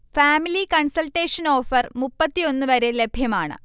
family consultation offer മുപ്പത്തിഒന്ന് വരെ ലഭ്യമാണ്